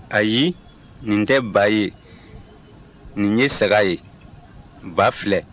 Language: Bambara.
ayi nin tɛ ba ye nin ye saga ye ba filɛ